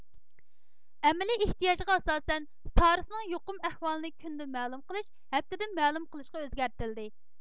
ئەمەلىي ئېھتىياجغا ئاساسەن سارسنىڭ يۇقۇم ئەھۋالىنى كۈندە مەلۇم قىلىش ھەپتىدە مەلۇم قىلىشقا ئۆزگەرتىلدى